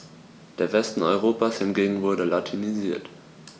Der Westen Europas hingegen wurde latinisiert.